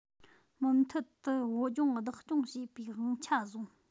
མུ མཐུད དུ བོད ལྗོངས བདག སྐྱོང བྱེད པའི དབང ཆ བཟུང